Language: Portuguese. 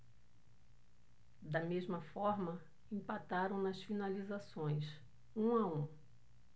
da mesma forma empataram nas finalizações um a um